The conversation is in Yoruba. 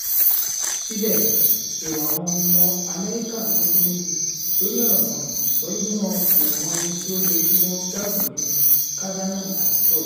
Síbẹ̀, èrò àwọn ọmọ Amẹ́ríkà pín sí méjì lórí ọ̀rọ̀ náà pẹ̀lú bí wọn kò mọ ẹni tí ó yẹ kí wọ́n gbàgbọ́ nínú Kavanaugh àti Ford.